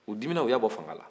u diminna u y'a bɔ fanga